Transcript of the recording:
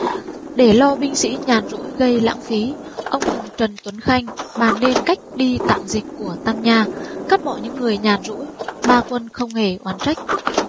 đế lo binh sĩ nhàn rỗi gây lãng phí ông cùng trần tuấn khanh bàn nên cách đi tạp dịch của tam nha cắt bỏ những người nhàn rỗi ba quân không hề oán trách